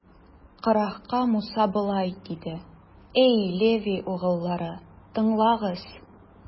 Корахка Муса болай диде: Әй Леви угыллары, тыңлагыз!